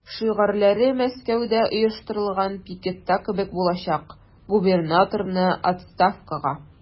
Шигарьләре Мәскәүдә оештырылган пикетта кебек булачак: "Губернаторны– отставкага!"